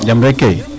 jam rek kay.